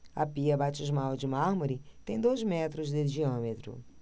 a pia batismal de mármore tem dois metros de diâmetro